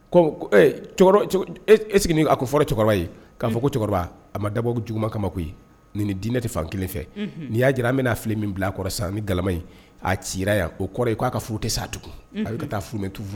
Ko e ɛ est-ce que a k'u fɔra cɛkɔrɔba ye, ka fɔ ko cɛkɔrɔba, a ma dabɔ juguma kama koyi nin ni dinɛ tɛ fan kelen fɛ, unhun, n'i y'a jira a bɛna filen min bila a kɔrɔ sisan ani galama in, a ci ra yan, o kɔrɔ ye k'a ka furu tɛ sa tugun a bɛ taa furu tu